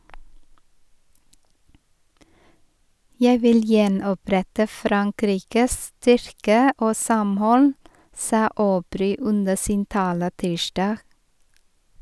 - Jeg vil gjenopprette Frankrikes styrke og samhold, sa Aubry under sin tale tirsdag.